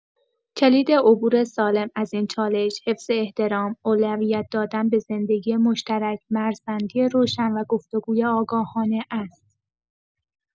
کلید عبور سالم از این چالش، حفظ احترام، اولویت دادن به زندگی مشترک، مرزبندی روشن و گفت‌وگوی آگاهانه است.